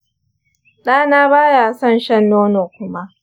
ɗana ba ya son shan nono kuma.